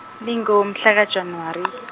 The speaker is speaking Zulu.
lingomhla ka January .